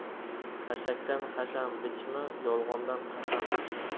xashakdan hasham bichma yolg'ondan qasam ichma